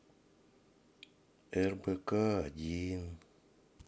рбк один